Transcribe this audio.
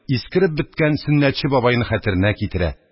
Искереп беткән сөннәтче бабайны хәтеренә китерә,